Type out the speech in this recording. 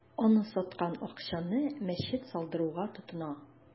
Аны саткан акчаны мәчет салдыруга тотына.